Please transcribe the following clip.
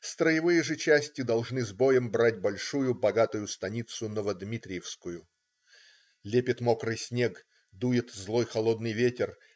Строевые же части должны с боем брать большую, богатую станицу Ново-Дмитриевскую. Лепит мокрый снег. Дует злой холодный ветер.